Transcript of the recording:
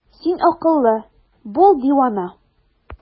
Син акыллы, бул дивана!